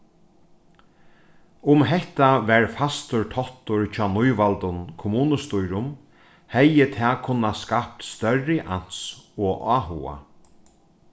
um hetta varð fastur táttur hjá nývaldum kommunustýrum hevði tað kunnað skapt størri ans og áhuga